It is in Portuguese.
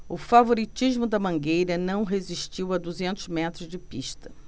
o favoritismo da mangueira não resistiu a duzentos metros de pista